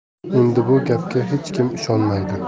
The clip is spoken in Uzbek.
endi bu gapga hech kim ishonmaydi